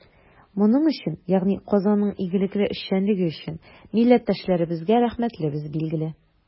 Моның өчен, ягъни Казанның игелекле эшчәнлеге өчен, милләттәшләребезгә рәхмәтлебез, билгеле.